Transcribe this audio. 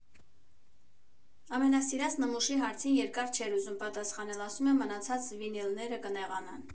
Ամենասիրած նմուշի հարցին երկար չէր ուզում պատասխանել, ասում է՝ մնացած վինիլները կնեղանան։